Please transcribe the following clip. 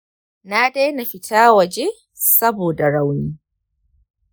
na daina fita waje saboda rauni.